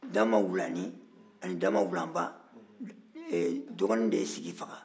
dama wulanin ani dama wulanba dɔgɔnin de ye sigi faga